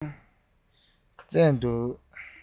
སླེབས འདུག